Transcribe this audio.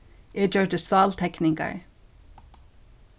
eg gjørdi stáltekningar